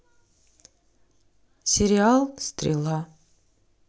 сериал стрела